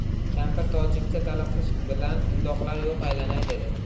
kampir tojikcha talaffuz bilan undoqlar yo'q aylanay dedi